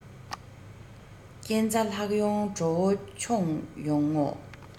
རྐྱེན རྩ ལྷག ཡོང དགྲ བོ མཆོངས ཡོང ངོ